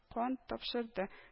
Кан тапшырды